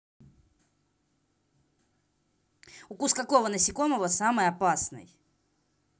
укус какого насекомого самый опасный